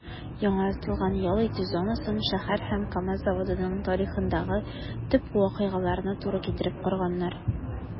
Яңартылган ял итү зонасын шәһәр һәм КАМАЗ заводының тарихындагы төп вакыйгаларына туры китереп корганнар.